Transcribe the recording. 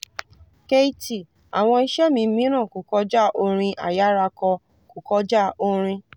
Keyti: Àwọn iṣẹ́ mi mìíràn kò kọjá orin àyárakọ, kò kọjá orin.